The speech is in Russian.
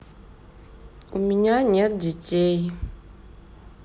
у меня нет детей